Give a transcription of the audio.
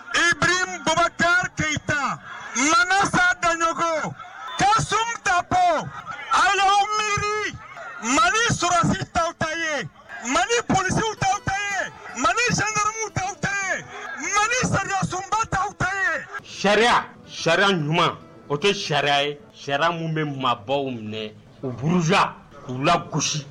I bɛ npogota keyita ta ma sa daɲɔgɔn ka sunta ala mi mali sɔsi tɔw ta ye mali psi dɔw tɛ mali sakamu dɔw tɛ mali sa sunba taye sariya sariya ɲuman o kɛ sariya ye sariya minnu bɛ mabɔbaww minɛ u buruz z uu la gosi